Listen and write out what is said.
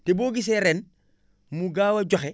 te boo gisee ren mu gaaw a joxe